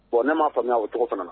Bon ne m maa faamuya o tɔgɔ fana na